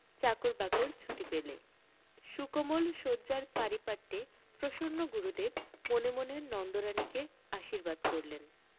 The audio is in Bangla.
চাকর বাকর ছুটি পেলে সুকোমল শয্যার পারিপাট্যে প্রসন্ন গুরুদেব মনে মনে নন্দরানীকে আশীর্বাদ করলেন